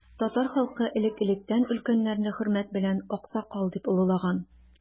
Татар халкы элек-электән өлкәннәрне хөрмәт белән аксакал дип олылаган.